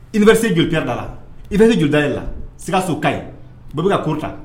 I bɛ se joda da la i bɛ ne joda e la siigakaso ka ɲi bɛɛ bɛ ka ko ta